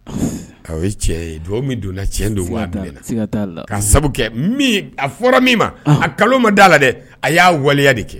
' ye cɛ dugawu min donna cɛ don da ka kɛ a fɔra min ma a kalo ma dala la dɛ a y'a waleya de kɛ